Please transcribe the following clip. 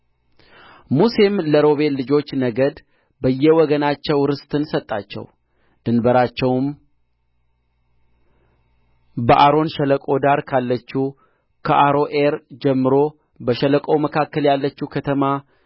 ሙሴም ለሮቤል ልጆች ነገድ በየወገናቸው ርስትን ሰጣቸው ድንበራቸውም በአርኖን ሸለቆ ዳር ካለችው ከአሮዔር ጀምሮ በሸለቆው መካከል ያለችው ከተማ